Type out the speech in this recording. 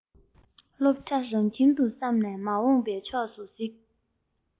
སློབ གྲྭ རང ཁྱིམ དུ བསམ ནས མ འོངས པའི ཕྱོགས སུ གཟིགས